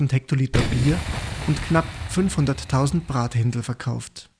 Hektoliter Bier und knapp 500.000 Brathendl verkauft